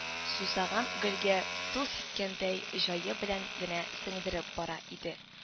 Сусаган гөлгә су сипкәндәй җае белән генә сеңдереп бара иде